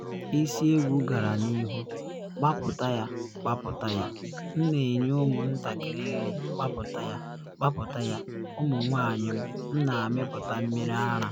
Isi egwu gara n’ihu: “Gbapụta ya, gbapụta ya, m na enye ụmụ ntakịrị nri, gbapụta ya, gbapụta ya, ụmụ nwanyị m, m na amịpụta mmiri ara.”